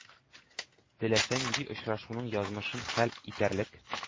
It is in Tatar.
Теләсә нинди очрашуның язмышын хәл итәрлек,